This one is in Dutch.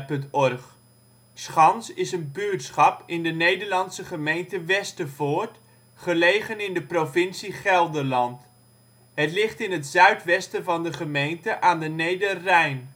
OL Schans Plaats in Nederland Situering Provincie Gelderland Gemeente Westervoort Coördinaten 51° 57′ NB, 5° 58′ OL Portaal Nederland Schans is een buurtschap in de Nederlandse gemeente Westervoort, gelegen in de provincie Gelderland. Het ligt in het zuidwesten van de gemeente aan de Nederrijn